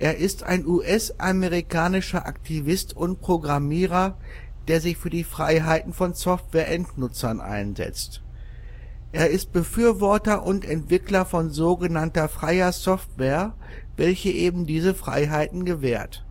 ist ein US-amerikanischer Aktivist und Programmierer, der sich für die Freiheiten von Software-Endnutzern einsetzt: Er ist Befürworter und Entwickler von sogenannter Freier Software, welche eben diese Freiheiten gewährt